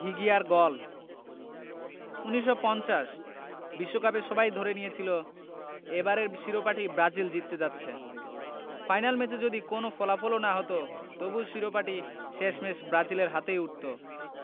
ঘিঘিয়ার goal ১৯৫০ বিশ্বকাপে সবাই ধরেই নিয়েছিল এবারের শিরোপাটি ব্রাজিল জিততে যাচ্ছে ফাইনাল ম্যাচে যদি কোনো ফলাফলও না হতো তবু শিরোপাটি শেষমেশ ব্রাজিলের হাতেই উঠত